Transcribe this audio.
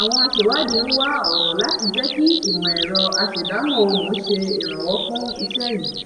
àwọn aṣèwádìí ń wá ọ̀nà láti jẹ́ kí ìmọ̀-ẹ̀rọ aṣèdámọ̀ ohùn ṣe ìrànwọ́ fún iṣẹ́ yìí.